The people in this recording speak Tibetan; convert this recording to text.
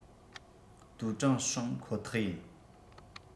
ཏུའུ ཀྲེང ཧྲེང ཁོ ཐག ཡིན